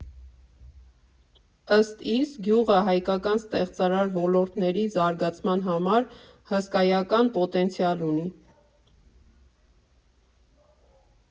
Ըստ իս, գյուղը հայկական ստեղծարար ոլորտների զարգացման համար հսկայական պոտենցիալ ունի։